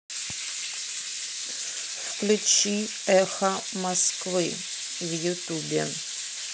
включить эхо москвы в ютубе